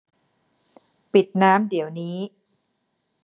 ปิดน้ำเดี๋ยวนี้